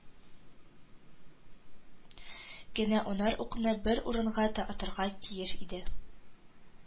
Генә унар укны бер урынга атарга тиеш иде